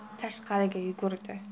tashqariga yugurdi